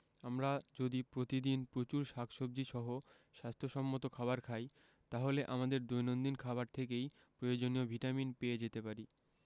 আমরা যদি প্রতিদিন প্রচুর শাকসবজী সহ স্বাস্থ্য সম্মত খাবার খাই তাহলে আমাদের দৈনন্দিন খাবার থেকেই প্রয়োজনীয় ভিটামিন পেয়ে যেতে পারি